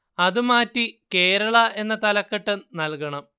അത് മാറ്റി കേരള എന്ന് തലക്കെട്ട് നൽകണം